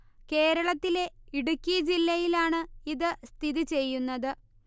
കേരളത്തിലെ ഇടുക്കി ജില്ലയിലാണ് ഇത് സ്ഥിതി ചെയ്യുന്നത്